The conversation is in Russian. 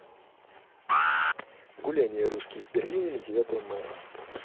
гуляния русские в берлине на девятое мая